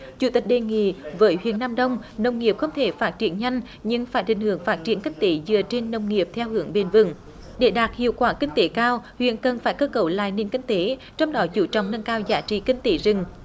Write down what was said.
chủ tịch đề nghị với huyện nam đông nông nghiệp không thể phát triển nhanh nhưng phải định hướng phát triển kinh tế dựa trên nông nghiệp theo hướng bền vững để đạt hiệu quả kinh tế cao huyện cần phải cơ cấu lại nền kinh tế trong đó chú trọng nâng cao giá trị kinh tế rừng